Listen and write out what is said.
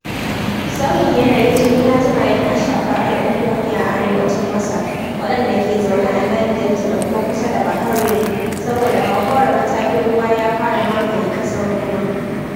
Sauyin yanayi tuni ya jima yana shafar al’ummomi a arewacin Masar, waɗanda ke zaune a Nile Delta da kuma kusa da Bahar Rum, saboda hauhawar matakin ruwa ya fara mamaye ƙasar noma.